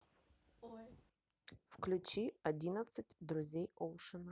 включи одиннадцать друзей оушена